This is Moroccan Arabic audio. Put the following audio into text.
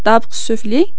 الطابق السفلي